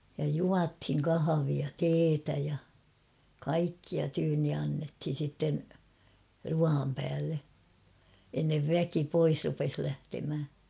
ja juotiin kahvia teetä ja kaikkia tyynni annettiin sitten ruoan päälle ennen väki pois rupesi lähtemään